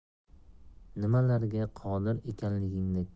nimalarga qodir ekanligingni